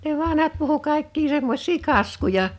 ne vanhat puhui kaikki semmoisia kaskuja